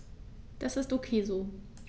Das ist ok so.